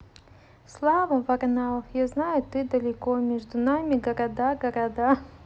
слава варнов я знаю ты далеко между нами города города